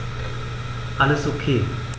Alles OK.